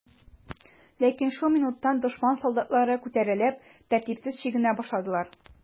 Ләкин шул минутта дошман солдатлары күтәрелеп, тәртипсез чигенә башладылар.